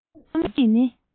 དེ ལ རྩོམ རིག ནི